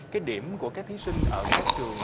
cái điểm của các thí sinh ở các trường